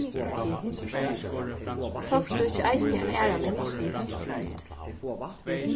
tókst tú ikki eisini eina aðra mynd